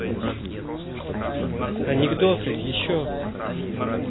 анекдоты еще